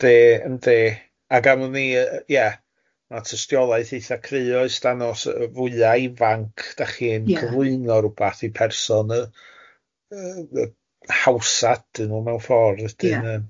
Yndi yndi. Ag am wn i yy ie ma' tystiolaeth eitha cru oes dan os yy fwya ifanc dach chi'n... Ia. ...cyflwyno rwbath i person yy yy yy hawsa ydyn nhw mewn ffor. Ia.